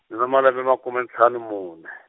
ndzi malembe makume ntlhanu mune.